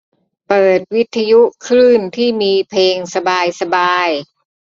เปิดวิทยุคลื่นที่มีเพลงสบายสบาย